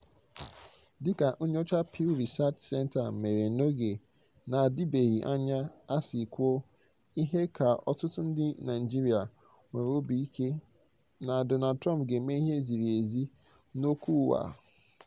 Dị ka nnyocha Pew Research Center mere n'oge na-adibeghị anya a si kwuo, ihe ka ọtụtụ ndị Naịjirịa "nwere obi ike" na Trump "ga-eme ihe ziri ezi n'okwu ụwa".